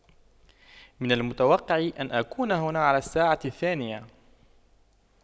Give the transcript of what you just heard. من المتوقع أن أكون هنا على الساعة الثانية